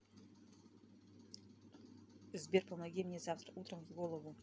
сбер помоги мне завтра утром в голову